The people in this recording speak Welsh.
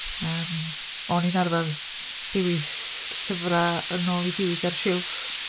Yym, o'n i'n arfer dewis llyfrau yn ôl 'u diwyg ar silff.